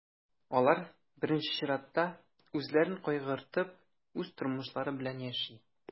Алар, беренче чиратта, үзләрен кайгыртып, үз тормышлары белән яши.